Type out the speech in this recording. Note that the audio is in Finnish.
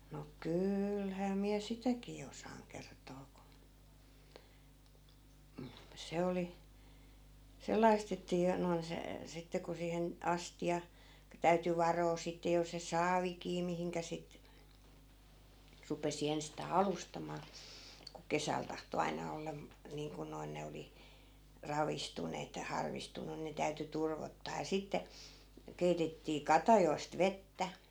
no kyllähän minä sitäkin osaan kertoa kun - se oli sellaista että jo noin se sitten kun siihen astia kun täytyi varoa sitten jos se saavikin mihin sitten rupesi ensistään alustamaan kun kesällä tahtoi aina olla niin kuin noin ne oli ravistuneet ja harvistuneet ne täytyi turvottaa ja sitten keitettiin katajista vettä